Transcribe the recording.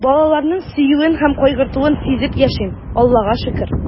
Балаларның сөюен һәм кайгыртуын сизеп яшим, Аллага шөкер.